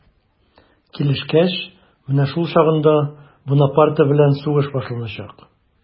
Килешкәч, менә шул чагында Бунапарте белән сугыш башланачак.